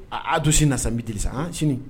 Aaa a don sin na san bieli sa an sini